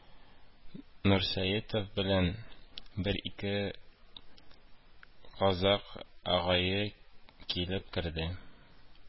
Нурсәетов белән бер-ике казакъ агае килеп керде